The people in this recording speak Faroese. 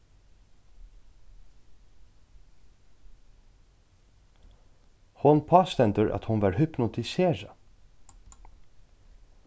hon pástendur at hon varð hypnotiserað